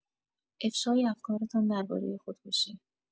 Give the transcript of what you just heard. افشای افکارتان درباره خودکشی